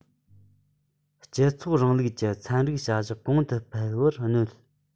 སྤྱི ཚོགས རིང ལུགས ཀྱི ཚན རིག བྱ གཞག གོང དུ འཕེལ བར གནོད